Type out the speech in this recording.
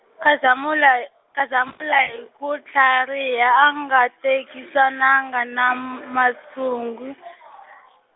Khazamula, Khazamula hi ku tlhariha a nga tengisanangi na m- Masungi.